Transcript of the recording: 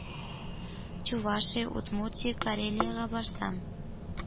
Чувашия, Удмуртия, Карелиягә барсам,